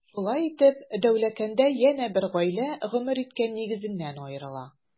Шулай итеп, Дәүләкәндә янә бер гаилә гомер иткән нигезеннән аерыла.